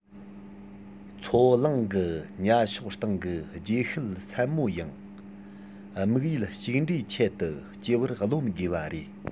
མཚོ གླང གི ཉ གཤོག སྟེང གི རྗེས ཤུལ སེན མོ ཡང དམིགས ཡུལ གཅིག འདྲའི ཆེད དུ སྐྱེས པར རློམ དགོས པ རེད